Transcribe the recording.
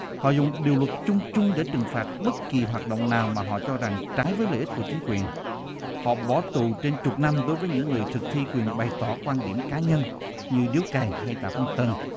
họ dùng điều luật chung chung để trừng phạt bất kỳ hoạt động nào mà họ cho rằng trái với lợi ích của chính quyền họ bỏ tù trên chục năm đối với những người thực thi quyền bày tỏ quan điểm cá nhân như điếu cày hay tạ phong tần